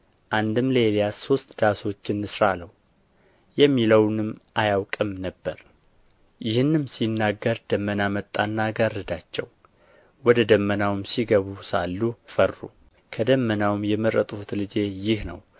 አንድም ለኤልያስ ሦስት ዳሶች እንሥራ አለው የሚለውንም አያውቅም ነበር ይህንም ሲናገር ደመና መጣና ጋረዳቸው ወደ ደመናውም ሲገቡ ሳሉ ፈሩ ከደመናውም የመረጥሁት ልጄ ይህ ነው